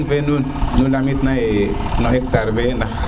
ndiki nak question fe nuun nu lamit na hectar fe